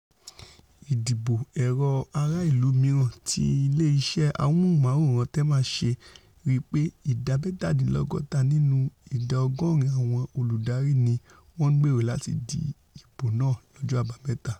Ìdìbò èrò ara ìlú mìíràn, tí ilé iṣẹ́ Amóhùnmáwòrán Telma ṣe, ríi pé ìdá mẹ́tàdínlọ́gọ́ta nínú ìdá ọgọ́ọ̀rún àwọn olùdáhùn ni wọ́n ńgbèrò láti di ìbò náà lọ́jọ́ Àbámẹ́ta.